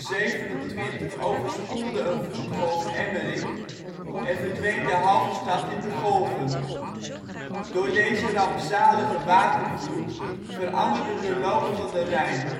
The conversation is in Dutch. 1227 overspoelde een vloedgolf Emmerik en verdween de halve stad in de golven. Door deze rampzalige watervloed veranderde de loop van de Rijn